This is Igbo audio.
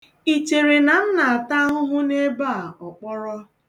I chere na m na-ata ahụhụ n’ebe a ọkpọrọ?